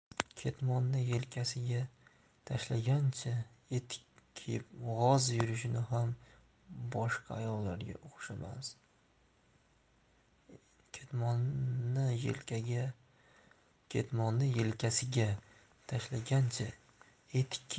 ketmonni yelkasiga tashlagancha etik kiyib